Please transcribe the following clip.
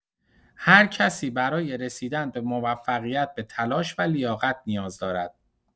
هر کسی برای رسیدن به موفقیت به تلاش و لیاقت نیاز دارد.